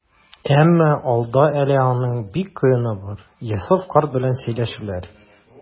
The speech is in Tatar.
Әмма алда әле аның бик кыены бар - Йосыф карт белән сөйләшүләр.